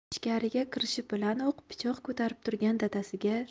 ichkariga kirishi bilanoq pichoq ko'tarib turgan dadasiga